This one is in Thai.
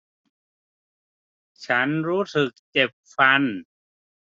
ฉันรู้สึกเจ็บฟัน